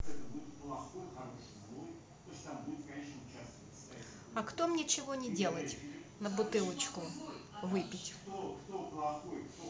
а кто мне чего не делать на бутылочку выпить